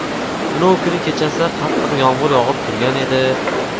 tunov kuni kechasi qattiq yomg'ir yog'ib turgan edi